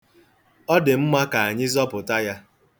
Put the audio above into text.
Ọ dị mma ka anyị zọpụta ya.